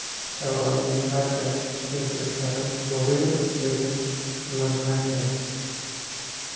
davronning barcha tushuntirishlari to'g'ri yu lekin iloj qancha